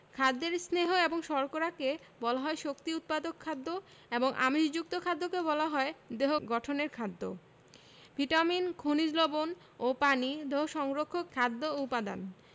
খাদ্যের স্নেহ এবং শর্করাকে বলা হয় শক্তি উৎপাদক খাদ্য এবং আমিষযুক্ত খাদ্যকে বলা হয় দেহ গঠনের খাদ্য ভিটামিন খনিজ লবন ও পানি দেহ সংরক্ষক খাদ্য উপাদান